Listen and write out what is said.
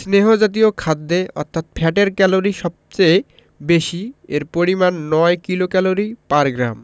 স্নেহ জাতীয় খাদ্যে অর্থাৎ ফ্যাটের ক্যালরি সবচেয়ে বেশি এর পরিমান ৯ কিলোক্যালরি পার গ্রাম